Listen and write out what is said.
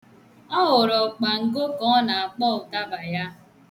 Ọ hụrụ ọkpango ka ọ na-akpọ ụtaba ya.